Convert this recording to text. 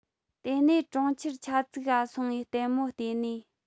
དེ ནས གྲོང ཁྱེར ཆ ཚིག ག སོང ངས ལྟད མོ བལྟས ནིས